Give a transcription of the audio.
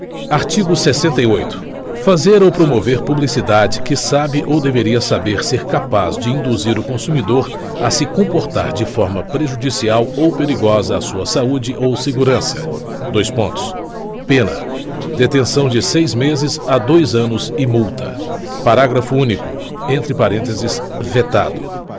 artigo sessenta e oito fazer ou promover publicidade que sabe ou deveria saber ser capaz de induzir o consumidor a se comportar de forma prejudicial ou perigosa a sua saúde ou segurança dois pontos pena detenção de seis meses a dois anos e multa dois pontos parágrafo único entre parênteses vetado